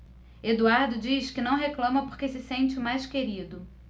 eduardo diz que não reclama porque se sente o mais querido